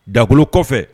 Dakolo kɔfɛ